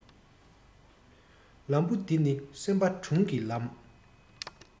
ལམ བུ འདི ནི སེམས པ དྲུང གི ལམ